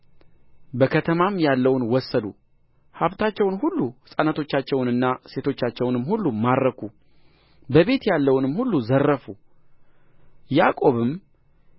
በከተማም ያለውን ወሰዱ ሀብታቸውን ሁሉ ሕፃናቶቻቸውንና ሴቶቻቸውንም ሁሉ ማረኩ በቤት ያለውንም ሁሉ ዘረፉ ያዕቆብም